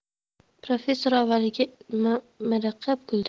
professor avvaliga miriqib kuldi